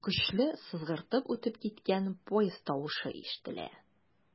Көчле сызгыртып үтеп киткән поезд тавышы ишетелә.